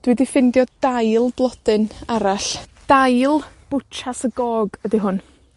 Dwi 'di ffindio dail blodyn arall, dail Bwtsias y Gog ydi hwn.